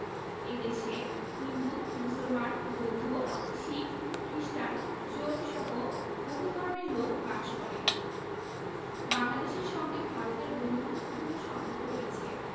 এ দেশে হিন্দু মুসলমান বৌদ্ধ শিখ খ্রিস্টান জৈনসহ বহু ধর্মের লোক বাস করে বাংলাদেশের সঙ্গে ভারতের বন্ধুত্তপূর্ণ সম্পর্ক রয়ছে